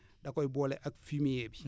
da koy boole ak fumier bi